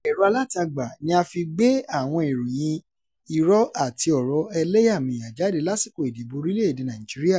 Ẹ̀rọ Alátagbà ni a fi gbé àwọn ìròyìn irọ́ àti ọ̀rọ̀ ẹlẹ́yàmẹyà jáde lásìkò ìdìbò orílẹ̀-èdèe Nàìjíríà